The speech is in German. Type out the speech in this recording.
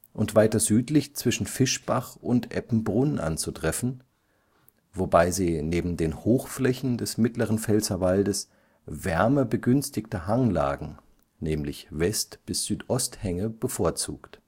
und weiter südlich zwischen Fischbach und Eppenbrunn anzutreffen, wobei sie neben den Hochflächen des mittleren Pfälzerwaldes wärmebegünstigte Hanglagen (West - bis Südosthänge) bevorzugt